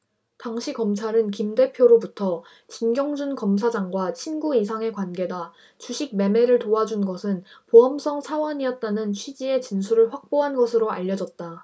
당시 검찰은 김 대표로부터 진경준 검사장과 친구 이상의 관계다 주식 매매를 도와준 것은 보험성 차원이었다는 취지의 진술을 확보한 것으로 알려졌다